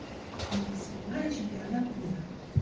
бокс прямая чемпионат мира